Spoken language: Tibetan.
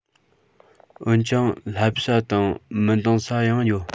འོན ཀྱང བསླབ བྱ དང མི འདང ས ཡང ཡོད